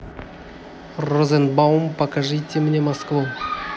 розенбаум покажите мне москву